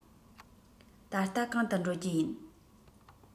ད ལྟ གང དུ འགྲོ རྒྱུ ཡིན